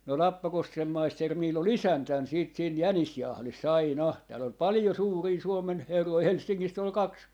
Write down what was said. no Lappakosken maisteri minulla oli isäntänä sitten siinä jänisjahdissa aina täällä oli paljon suuria Suomen herroja Helsingistä oli kaksi